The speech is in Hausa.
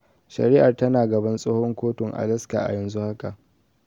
Shari’ar tana gaban Tsohon Kotun Alaska a yanzu haka.